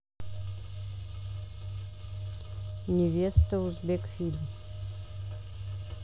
невеста узбекфильм